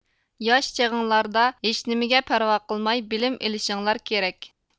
ياش چېغىڭلاردا ھېچنېمىگە پەرۋا قىلماي بىلىم ئېلىشىڭلار كېرەك